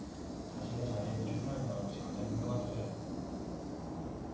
자신의 자리에서 최선을 다하는 것이 가장 현명한 투자이